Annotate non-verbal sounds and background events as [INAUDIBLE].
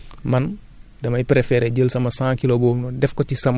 man bu ma amoon [HESITATION] ñaari tool am cent kilos phosphates